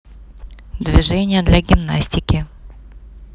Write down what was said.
движение для гимнастики